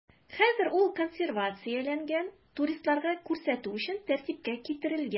Хәзер ул консервацияләнгән, туристларга күрсәтү өчен тәртипкә китерелгән.